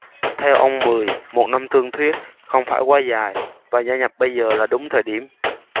theo ông mười một năm thương thuyết không phải quá dài và gia nhập bây giờ là đúng thời điểm